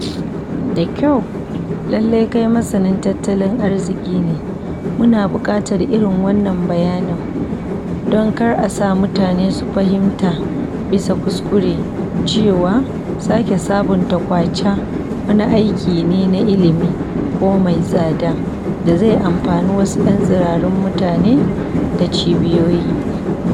"Da kyau, lallai kai masanin tattalin arziƙi ne, muna buƙatar irin wannan bayanin, don kar a sa mutane su fahimta bisa kuskure cewa sake sabunta Kwacha wani aiki ne na ilimi kuma mai tsada, da zai amfani wasu ƴan tsirarun mutane da cibiyoyi."